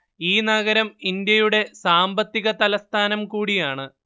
ഈ നഗരം ഇന്ത്യയുടെ സാമ്പത്തിക തലസ്ഥാനം കൂടിയാണ്